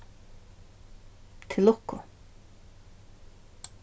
til lukku